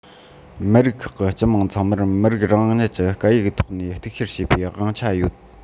མི རིགས ཁག གི སྤྱི དམངས ཚང མར མི རིགས རང ཉིད ཀྱི སྐད ཡིག ཐོག ནས གཏུག བཤེར བྱེད པའི དབང ཆ ཡོད